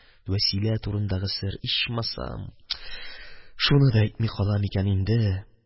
Вәсилә турындагы сер. Ичмасам, шуны да әйтми калам икән инде.